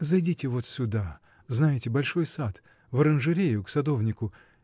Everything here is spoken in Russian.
— Зайдите вот сюда — знаете большой сад — в оранжерею, к садовнику.